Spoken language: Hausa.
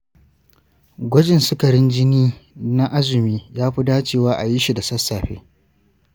gwajin sukarin jini na azumi ya fi dacewa a yi shi da sassafe.